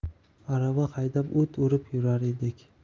arava haydab o't o'rib yurar edik